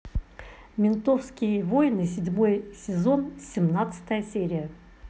ментовские войны седьмой сезон семнадцатая серия